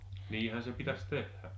niinhän se pitäisi tehdä